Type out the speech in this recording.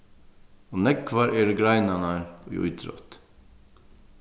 og nógvar eru greinarnar í ítrótti